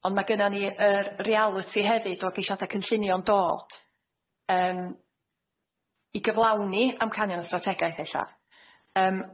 Ond ma' gynnan ni yr realiti hefyd o geisiada' cynllunio'n dod yym i gyflawni amcanion y strategaeth ella, yym.